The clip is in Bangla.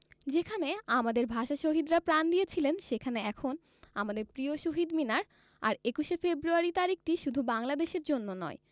যেখানে আমাদের ভাষাশহীদরা প্রাণ দিয়েছিলেন সেখানে এখন আমাদের প্রিয় শহীদ মিনার আর ২১শে ফেব্রয়ারি তারিখটি শুধু বাংলাদেশের জন্য নয়